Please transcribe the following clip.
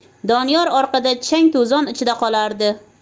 doniyor orqada chang to'zon ichida qolardi